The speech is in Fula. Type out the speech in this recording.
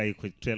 fayi ko teel